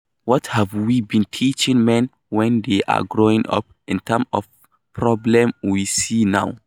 What have we been teaching men when they're growing up, in terms of the problem we see now?'